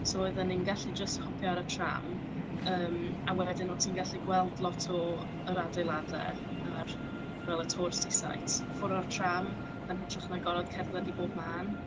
So oedden ni'n gallu jyst hopio ar y tram, yym, a wedyn o'y ti'n gallu gweld lot o yr adeiladau a'r... fel y touristy sites ffwrdd o'r tram, yn hytrach na gorfod cerdded i bob man.